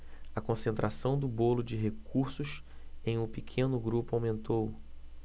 a concentração do bolo de recursos em um pequeno grupo aumentou